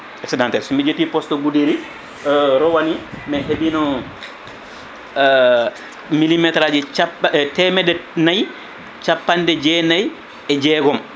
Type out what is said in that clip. excédentaire somi ƴetti poste Goudiry rowane mi heeɓino millimétre aji capa temeddenayyi capanɗe jeenayyi e jeegom